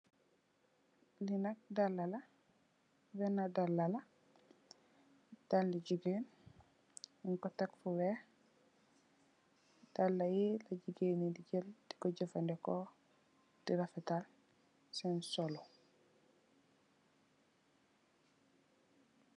Li nak daal la, ganaaw daala la, daali jigéen nung ko tekk fu weeh. Daal yi la jigéen yi di jël diko jafadeko di rafetal senn solu.